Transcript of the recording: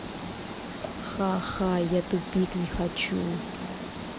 ха ха я тупик не хочу